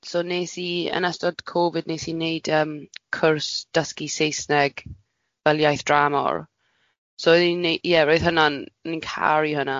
so wnes i yn ystod Covid wnes i wneud yym cwrs dysgu Saesneg fel iaith dramor, so o'n i'n neu- ie roedd hynna'n, o'n i'n caru hynna.